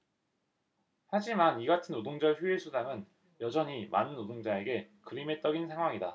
하지만 이같은 노동절 휴일수당은 여전히 많은 노동자에게 그림의 떡인 상황이다